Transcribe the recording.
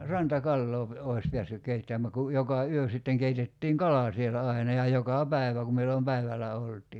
rantakalaa - olisi päässyt keittämään kun joka yö sitten keitettiin kala siellä aina ja joka päivä kun milloin päivällä oltiin